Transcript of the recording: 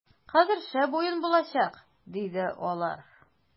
- хәзер шәп уен булачак, - диде алар.